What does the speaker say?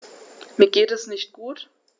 Mir geht es nicht gut.